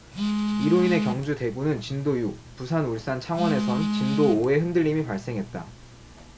이로 인해 경주 대구는 진도 육 부산 울산 창원에선 진도 오 의 흔들림이 발생했다